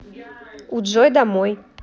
у джой домой